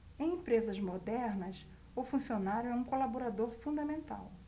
em empresas modernas o funcionário é um colaborador fundamental